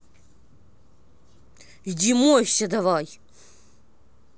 иди мойся давай